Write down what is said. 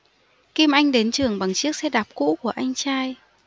kim anh đến trường bằng chiếc xe đạp cũ của anh trai